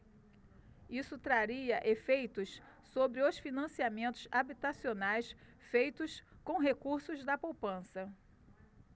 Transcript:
isso traria efeitos sobre os financiamentos habitacionais feitos com recursos da poupança